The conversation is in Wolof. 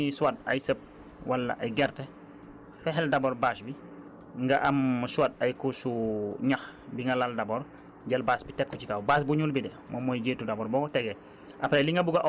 ñu ne yooyu boo ciy weer lu mel ni soit ay sëb wala ay gerte fexeel d' abord bâche bi nga am soit ay couches su ñax bi nga lal d' abord jël bâche bi teg ko ci kawam